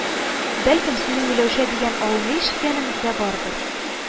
Бәлкем, синең Миләүшә дигән авылны ишеткәнең дә бардыр